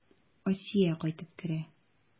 Асия кайтып керә.